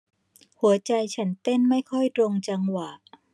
หัวใจฉันเต้นไม่ค่อยตรงจังหวะ